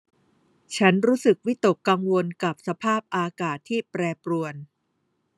ฉันรู้สึกวิตกกังวลกับสภาพอากาศที่แปรปรวน